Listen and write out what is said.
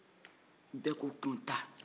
bɛɛ ko ko n ta